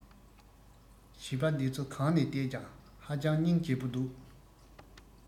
བྱིས པ འདི ཚོ གང ནས ལྟས ཀྱང ཧ ཅང རྙིང རྗེ པོ འདུག